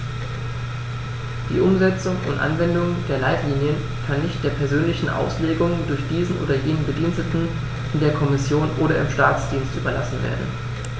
Die Umsetzung und Anwendung der Leitlinien kann nicht der persönlichen Auslegung durch diesen oder jenen Bediensteten in der Kommission oder im Staatsdienst überlassen werden.